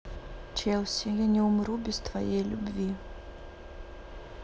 челси я не умру без твоей любви